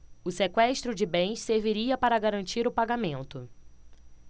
o sequestro de bens serviria para garantir o pagamento